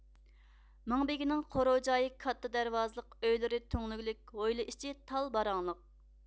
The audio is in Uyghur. مىڭبېگىنىڭ قورۇ جايى كاتتا دەرۋازىلىق ئۆيلىرى تۈڭلۈڭلۈك ھويلا ئىچى تال باراڭلىق